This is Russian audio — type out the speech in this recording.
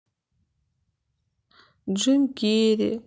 джим керри